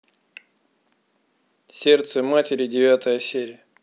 сердце матери девятая серия